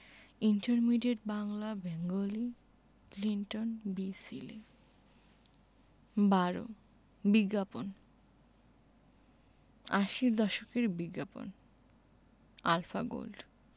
intermediate Bangla Bengali Clinton বি সিলি ১২ বিজ্ঞাপন আশির দশকের বিজ্ঞাপন আলফা গোল্ড